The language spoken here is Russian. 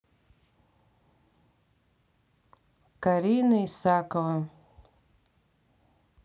карина исакова